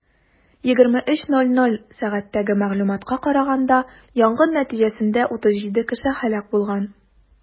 23:00 сәгатьтәге мәгълүматка караганда, янгын нәтиҗәсендә 37 кеше һәлак булган.